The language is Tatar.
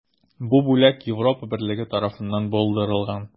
Бу бүләк Европа берлеге тарафыннан булдырылган.